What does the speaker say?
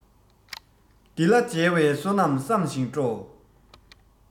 འདི ལ མཇལ བའི བསོད ནམས བསམ ཞིང སྤྲོ